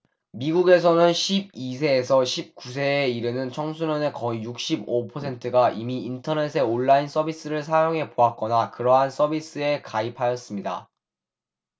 미국에서는 십 이 세에서 십 구 세에 이르는 청소년의 거의 육십 오 퍼센트가 이미 인터넷의 온라인 서비스를 사용해 보았거나 그러한 서비스에 가입하였습니다